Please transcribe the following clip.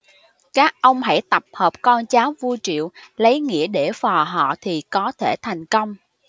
các ông hãy tập hợp con cháu vua triệu lấy nghĩa để phò họ thì có thể thành công